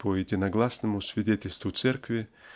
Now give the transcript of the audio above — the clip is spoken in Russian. по единогласному свидетельству Церкви